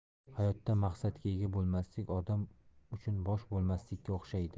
hayotda maqsadga ega bo'lmaslik odam uchun bosh bo'lmaslikka o'xshaydi